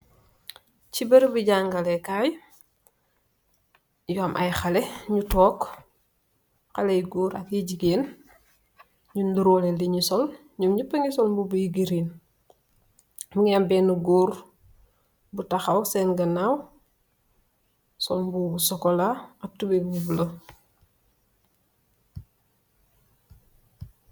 Si berubi jangale kai khaleh yu goor ak yu jigeen nyu nyoro leh lunyu sul nyungi sul mboba bu green mungi am bena goor bu takhaw sen ganaw sul mboba bu chocola ak tubey bu bulah